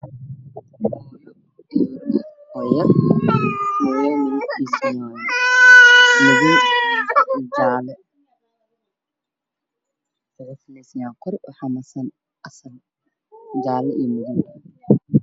Waa mooyo midafkiisa ka kooban madow iyo jaalo wuxuu saaran yahay miis caddaan darbiga wacdaan